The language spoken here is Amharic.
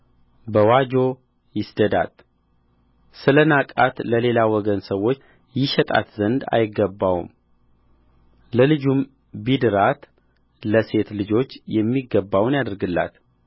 በዎጆ ይስደዳት ስለ ናቃት ለሌላ ወገን ሰዎች ይሸጣት ዘንድ አይገባውም ለልጁም ብድራት ለሴት ልጆች የሚገባውን ያድርግላት